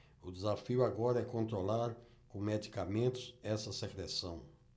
o desafio agora é controlar com medicamentos essa secreção